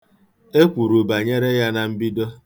E kwuru banyere ya na mbido.